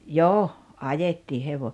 jo ajettiin -